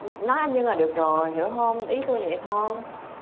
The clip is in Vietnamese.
nói anh nhân là được rồi hiểu hông ý tôi là vậy thôi